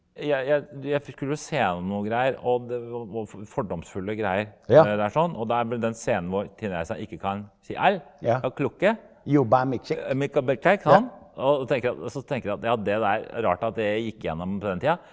jeg jeg jeg skulle se gjennom noen greier og det fordomsfulle greier der sånn og der ble den scenen hvor kineseren ikke kan si R og tenker at så tenker jeg at ja det der rart at det gikk gjennom på den tida.